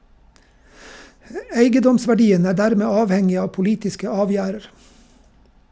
Eigedomsverdien er dermed avhengig av politiske avgjerder.